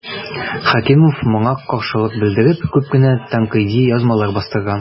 Хәкимов моңа каршылык белдереп күп кенә тәнкыйди язмалар бастырган.